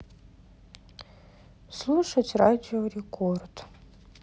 слушать радио рекорд